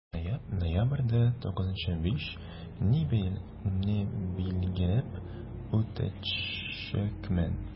Ноябрьдә 95 не билгеләп үтәчәкмен.